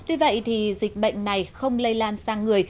tuy vậy thì dịch bệnh này không lây lan sang người